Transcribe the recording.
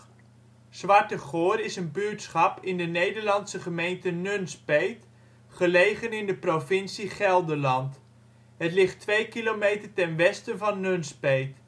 buurtschap in de Nederlandse gemeente Nunspeet, gelegen in de provincie Gelderland. Het ligt 2 kilometer ten westen van Nunspeet